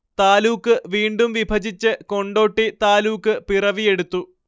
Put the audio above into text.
താലൂക്ക് വീണ്ടും വിഭജിച്ച് കൊണ്ടോട്ടി താലൂക്ക് പിറവിയെടുത്തു